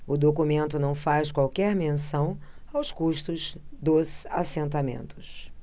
o documento não faz qualquer menção aos custos dos assentamentos